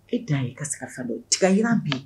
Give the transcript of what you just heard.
E da ye ka fan don ti tigi yiran bi yen